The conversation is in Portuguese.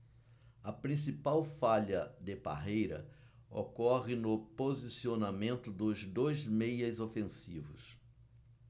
a principal falha de parreira ocorre no posicionamento dos dois meias ofensivos